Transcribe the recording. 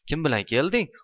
kim bilan kelding